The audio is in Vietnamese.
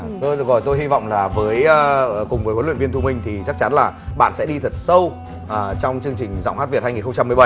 thôi được rồi tôi hy vọng là với a cùng với huấn luyện viên thu minh thì chắc chắn là bạn sẽ đi thật sâu à trong chương trình giọng hát việt hai nghìn không trăm mười bảy